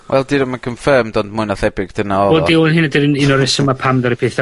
Wel 'di o ddim yn confirmed ond mwy na thebyg dyna odd o. Wel hefyd yr un un o'r resyma' pam ddaru petha